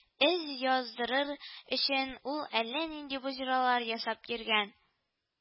Эз яздырыр өчен ул әллә нинди боҗралар ясап йөрегән